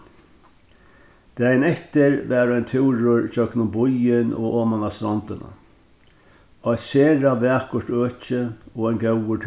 dagin eftir var ein túrur gjøgnum býin og oman á strondina eitt sera vakurt øki og ein góður